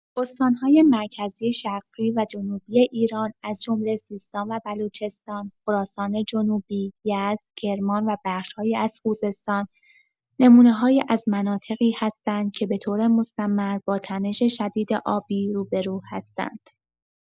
استان‌های مرکزی، شرقی و جنوبی ایران، از جمله سیستان و بلوچستان، خراسان‌جنوبی، یزد، کرمان و بخش‌هایی از خوزستان، نمونه‌هایی از مناطقی هستند که به‌طور مستمر با تنش شدید آبی روبه‌رو هستند.